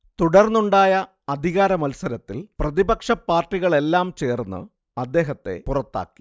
തുടർന്നുണ്ടായ അധികാരമത്സരത്തിൽ പ്രതിപക്ഷ പാർട്ടികളെല്ലാം ചേർന്ന് അദ്ദേഹത്തെ പുറത്താക്കി